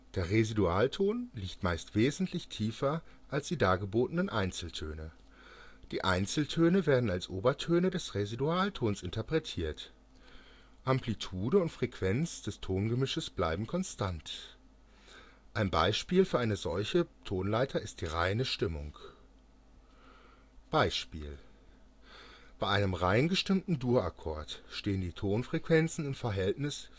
Der Residualton liegt meist wesentlich tiefer als die dargebotenen Einzel-Töne. Die Einzel-Töne werden als Obertöne des Residualtons interpretiert. Amplitude und Frequenz des Tongemisches bleiben konstant. Ein Beispiel für eine solche Tonleiter ist die reine Stimmung. Beispiel: Bei einem rein gestimmten Dur-Akkord stehen die Tonfrequenzen im Verhältnis